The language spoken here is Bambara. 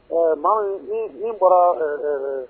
Ɛɛ maa min bɔra ɛɛ